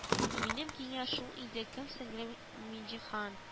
Минем киңәш шул инде кем сеңлем миңҗиһан